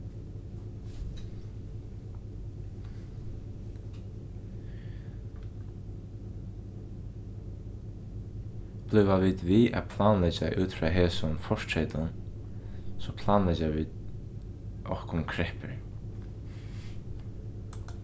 blíva vit við at planleggja út frá hesum fortreytum so planleggja vit okkum kreppur